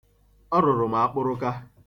Ọ rụrụ m akpụrụka.